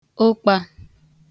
ụkpā